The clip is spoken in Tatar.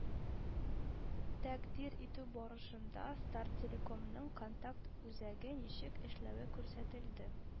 Тәкъдир итү барышында “Стартелеком”ның контакт үзәге ничек эшләве күрсәтелде